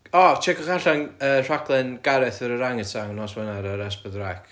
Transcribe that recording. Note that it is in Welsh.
o tsieciwch allan y rhaglen Gareth yr orangiwtan nos Wener ar yr S4C